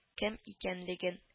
Кем икәнлеген